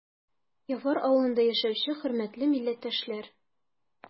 Яфар авылында яшәүче хөрмәтле милләттәшләр!